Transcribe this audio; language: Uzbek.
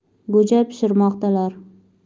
go'ja pishirmoqdalar